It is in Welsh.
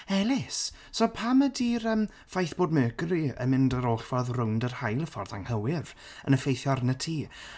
Ellis, so pam ydy'r yym ffaith bod Mercury yn mynd yr holl ffordd rownd yr haul y ffordd anghywydd yn effeithio arnat ti?